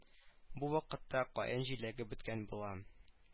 Бу вакытта каен җиләге беткән була